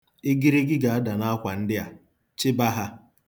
Igirigi ga-ada n'akwa ndị a, chịba ha.